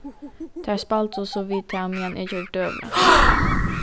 tær spældu so við tað meðan eg gjørdi døgurða